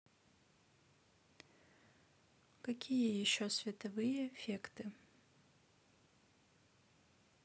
какие еще световые эффекты